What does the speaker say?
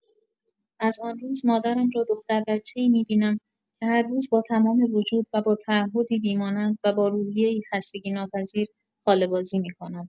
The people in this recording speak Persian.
از آن روز مادرم را دختر بچه‌ای می‌بینم که هر روز با تمام وجود و با تعهدی بی‌مانند و با روحیه‌ای خستگی‌ناپذیر خاله‌بازی می‌کند!